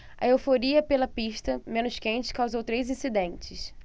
a euforia pela pista menos quente causou três incidentes